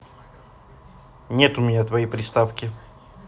нет у меня твоей приставки